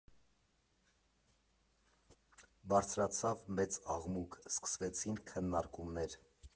Բարձրացավ մեծ աղմուկ, սկսվեցին քննարկումներ։